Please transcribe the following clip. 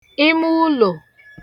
ịmulo